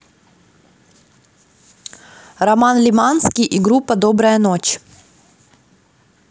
роман лиманский и группа добрая ночь